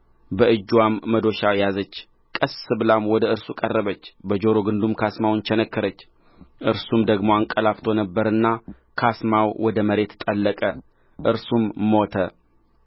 በእጅዋም መዶሻ ያዘች ቀስ ብላም ወደ እርሱ ቀረበች በጆሮግንዱ ካስማውን ቸነከረች እርሱም ደክሞ እንቀላፍቶ ነበርና ካስማው ወደ መሬት ጠለቀ እርሱም ሞተ